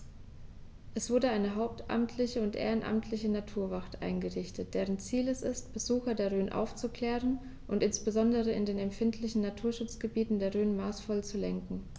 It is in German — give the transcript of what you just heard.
Es wurde eine hauptamtliche und ehrenamtliche Naturwacht eingerichtet, deren Ziel es ist, Besucher der Rhön aufzuklären und insbesondere in den empfindlichen Naturschutzgebieten der Rhön maßvoll zu lenken.